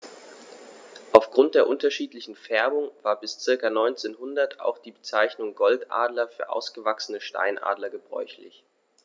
Auf Grund der unterschiedlichen Färbung war bis ca. 1900 auch die Bezeichnung Goldadler für ausgewachsene Steinadler gebräuchlich.